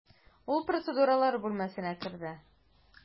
Ул процедуралар бүлмәсенә керде.